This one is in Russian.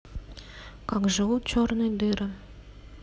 как живут черные дыры